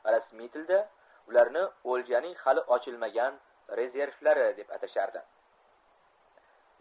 rasmiy tilda ularni o'ljaning hali ochilmagan rezervlari deb atashardi